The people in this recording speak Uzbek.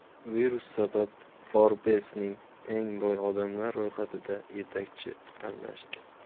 virus sabab forbes'ning eng boy odamlar ro'yxatida yetakchi almashdi